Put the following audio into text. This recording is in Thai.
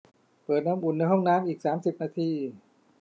เปิดน้ำอุ่นในห้องน้ำอีกสามสิบนาที